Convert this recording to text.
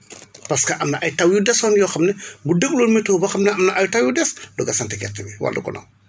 parce que am na ay taw yu desoon yoo xam ne bu dégluwoon météo boo xam ne am na ay taw yu des doog a sant gerte gi wala **